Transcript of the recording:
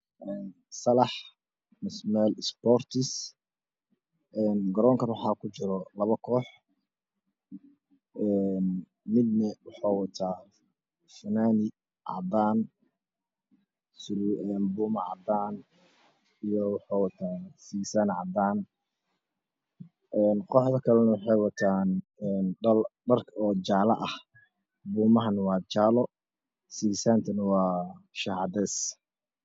Salax mise meel spotrts garoinkana waxaa kujiro labo koox midna waxa uu wataa funaanad cadaan ah iyo buumo cadan ah iyo waxay wataan sigsaamo cadaan ah kooxda kalana waxa ay wataan dhar oojaala ah buumahana waa jaalo sigisaantana waa cadeeys